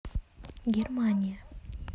германия